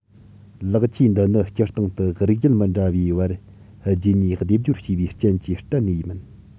ལེགས བཅོས འདི ནི སྤྱིར བཏང དུ རིགས རྒྱུད མི འདྲ བའི བར རྒྱུད གཉིས སྡེབ སྦྱོར བྱས པའི རྐྱེན གྱིས གཏན ནས མིན